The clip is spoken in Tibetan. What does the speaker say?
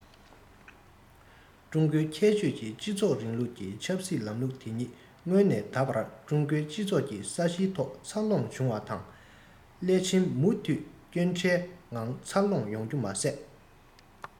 ཀྲུང གོའི ཁྱད ཆོས ཀྱི སྤྱི ཚོགས རིང ལུགས ཀྱི ཆབ སྲིད ལམ ལུགས དེ ཉིད སྔོན ནས ད བར ཀྲུང གོའི སྤྱི ཚོགས ཀྱི ས གཞིའི ཐོག འཚར ལོངས བྱུང བ དང སླད ཕྱིན མུ མཐུད སྐྱོན བྲལ ངང འཚར ལོངས ཡོང རྒྱུ མ ཟད